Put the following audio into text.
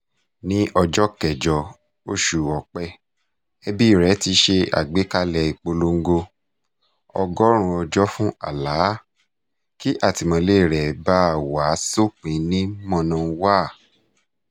Ní ọjọ́ 8 oṣù Ọ̀pẹ, ẹbíi rẹ̀ ti ṣe àgbékalẹ̀ ìpolongo –"100 ọjọ́ fún Alaa" — kí àtìmọ́lée rẹ̀ ó ba wá s'ópin ní mọnawáà.